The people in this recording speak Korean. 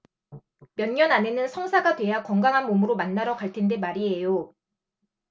몇 년 안에는 성사가 돼야 건강한 몸으로 만나러 갈 텐데 말이에요